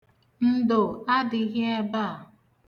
Ndo adịghị ebe a.